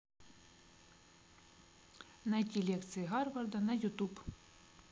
найди лекции гарварда на ютуб